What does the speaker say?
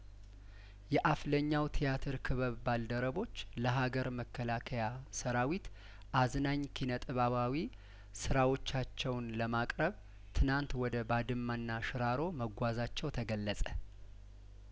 የአፍለኛው ቲያትር ክበብ ባልደረቦች ለሀገር መከላከያ ሰራዊት አዝናኝ ኪነጥበባዊ ስራዎቻቸውን ለማቅረብ ትናንት ወደ ባድመና ሽራሮ መጓዛቸው ተገለጸ